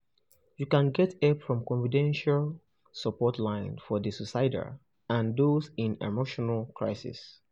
You can get help from confidential support lines for the suicidal and those in emotional crisis.